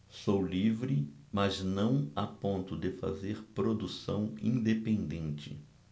sou livre mas não a ponto de fazer produção independente